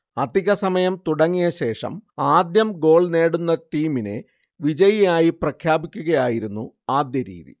അധിക സമയം തുടങ്ങിയ ശേഷം ആദ്യം ഗോൾ നേടുന്ന ടീമിനെ വിജയിയായി പ്രഖ്യാപിക്കുകയായിരുന്നു ആദ്യ രീതി